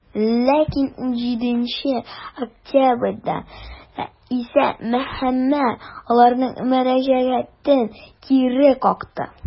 Ләкин 17 октябрьдә исә мәхкәмә аларның мөрәҗәгатен кире какты.